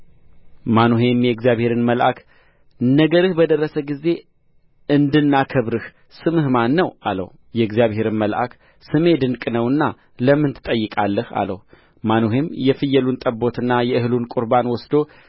ማኑሄም የእግዚአብሔርን መልአክ ነገርህ በደረሰ ጊዜ እንድናከብርህ ስምህ ማን ነው አለው የእግዚአብሔርም መልአክ ስሜ ድንቅ ነውና ለምን ትጠይቃለህ አለው ማኑሄም የፍየሉን ጠቦትና የእህሉን ቍርባን ወስዶ